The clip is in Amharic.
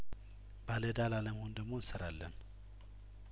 ባለእዳ ላለመሆን ደግሞ እንሰራለን